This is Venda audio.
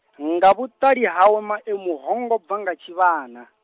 nga vhuṱali hawe Maemu ho ngo bva nga tshivhana.